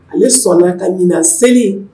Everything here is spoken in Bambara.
Ale sɔnna ka ɲina seli